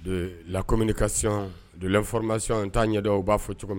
De la communication, de l'information n t'a ɲɛdɔn u b'a fɔ cogo min?